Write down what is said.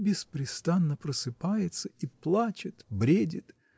— Беспрестанно просыпается и плачет, бредит!